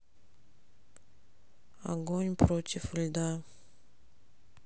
огонь против льда